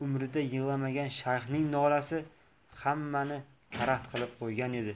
umrida yig'lamagan shayxning nolasi hammani karaxt qilib qo'ygan edi